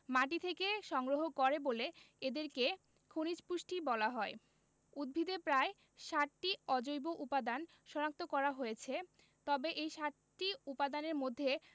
মাটি থেকে সংগ্রহ করে বলে এদেরকে খনিজ পুষ্টি বলা হয় উদ্ভিদে প্রায় ৬০টি অজৈব উপাদান শনাক্ত করা হয়েছে তবে এই ৬০টি উপাদানের মধ্যে